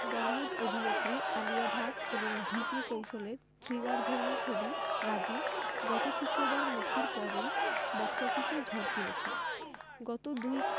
বলিউড অভিনেত্রী আলিয়া ভাট এবং ভিকি কৌশলের থ্রিলারধর্মী ছবি রাজী গত শুক্রবার মুক্তির পরই বক্স অফিসে ঝড় তুলেছে গত দুই